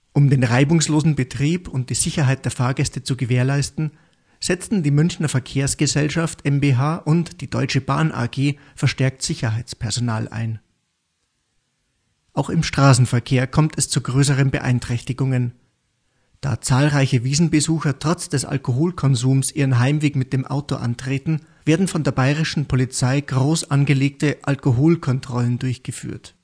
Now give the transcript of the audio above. Um den reibungslosen Betrieb und die Sicherheit der Fahrgäste zu gewährleisten, setzen die Münchner Verkehrsgesellschaft mbH und die Deutsche Bahn AG verstärkt Sicherheitspersonal ein. Auch im Straßenverkehr kommt es zu größeren Beeinträchtigungen. Da zahlreiche Wiesnbesucher trotz des Alkoholkonsums ihren Heimweg mit dem Auto antreten, werden von der Bayerischen Polizei groß angelegte Alkoholkontrollen durchgeführt